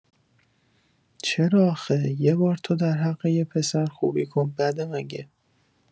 چرا آخه یبار تو در حق یه پسر خوبی کن بده مگه؟